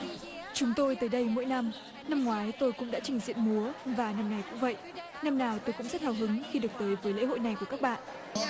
chúng tôi tới đây mỗi năm năm ngoái tôi cũng đã trình diễn múa và năm nay cũng vậy năm nào tôi cũng rất hào hứng khi được tới với lễ hội này của các bạn